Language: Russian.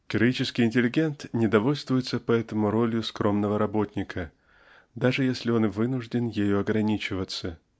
Героический интеллигент не довольствуется поэтому ролью скромного работника (даже если он и вынужден ею ограничиваться)